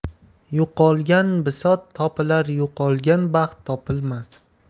yo'qolgan bisot topilar yo'qolgan baxt topilmas